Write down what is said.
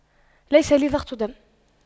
ليس لي ضغط دم